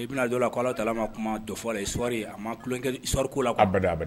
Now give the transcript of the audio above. I bɛnajɔ la k ko kala ma kuma dɔfɔ laɔri a makɛ sɔri ko la